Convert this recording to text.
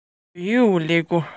བྱེད པའི སྒྲས ང རང གཉིད ལས དཀྲོགས